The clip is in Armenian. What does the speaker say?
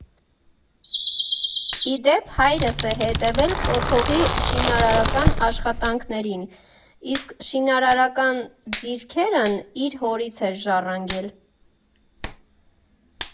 Ի դեպ, հայրս է հետևել կոթողի շինարարական աշխատանքներին, իսկ շինարարական ձիրքերն իր հորից էր ժառանգել։